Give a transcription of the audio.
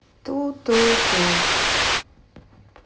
ту ту ту